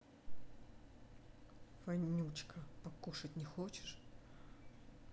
вонючка покушать не хочешь